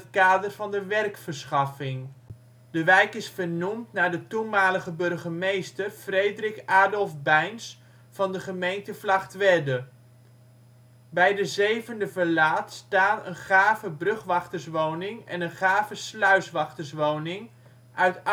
kader van de werkverschaffing. De wijk is vernoemd naar de toenmalige burgemeester Fredrik Adolf Beins van de gemeente Vlagtwedde. Bij de zevende verlaat staan een gave brugwachterswoning en een gave sluiswachterswoning uit